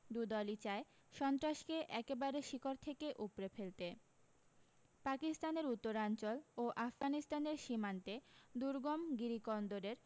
দু দলি চায় সন্ত্রাসকে একেবারে শিকড় থেক উপড়ে ফেলতে পাকিস্তানের উত্তরাঞ্চল ও আফগানিস্তানের সীমান্তে দুর্গম গিরিকন্দরের